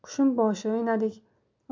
qushim boshi o'ynadik